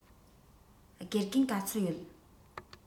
དགེ རྒན ག ཚོད ཡོད